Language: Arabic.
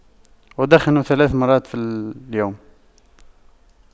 أدخن ثلاث مرات في اليوم